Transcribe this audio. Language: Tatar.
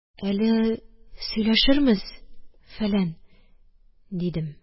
– әле сөйләшермез, фәлән, – дидем.